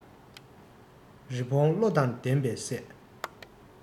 རི བོང བློ དང ལྡན པས བསད